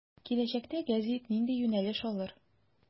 Киләчәктә гәзит нинди юнәлеш алыр.